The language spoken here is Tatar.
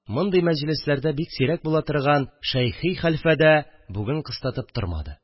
Мондый мәҗлесләрдә бик сирәк була торган Шәйхи хәлфә дә бүген кыстатып тормады